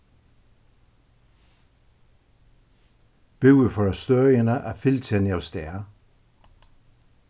búi fór á støðina at fylgja henni avstað